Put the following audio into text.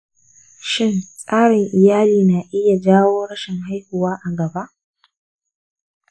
shin tsarin iyali na iya jawo rashin haihuwa a gaba?